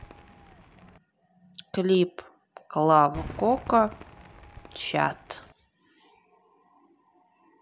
клип клава кока чат